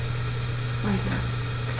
Weiter.